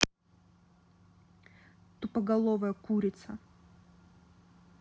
тупоголовая курица